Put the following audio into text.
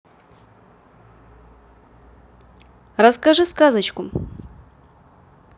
расскажи сказочку